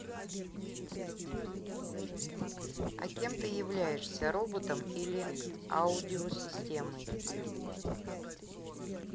а кем ты являешься роботом или аудиосистемой